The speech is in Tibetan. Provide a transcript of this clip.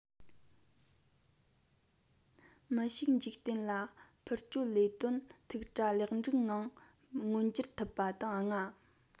མི བཞུགས འཇིག རྟེན ལ འཕུར སྐྱོད ལས དོན ཐུགས གྲ ལེགས འགྲིག ངང མངོན འགྱུར ཐུབ པ དང ལྔ